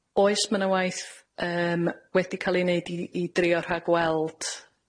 Oes ma' 'na waith yym wedi ca'l ei neud i i drio rhagweld